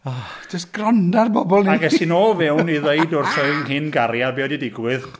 O, jyst gwranda ar bobl wnei di! ... Ac es i nôl fewn i ddweud wrth fy nghyn-gariad be oedd 'di digwydd...